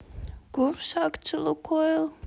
курс акций лукойл